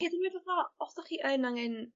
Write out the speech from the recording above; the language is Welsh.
Credu ma' fatha os 'dach chi yn angen